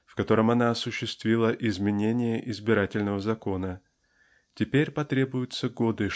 в котором она осуществила изменение избирательного закона -- теперь потребуются годы